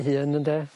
'i hun ynde